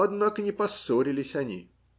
Однако не поссорились они